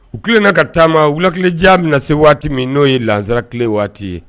U tilana ka taama wulakilijan bɛna se waati min n'o ye sarati waati ye